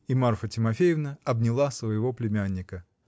И Марфа Тимофеевна обняла своего племянника.